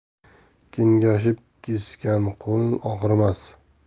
kengashib kesgan qo'l og'rimas